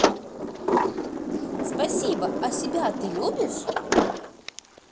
спасибо а себя ты любишь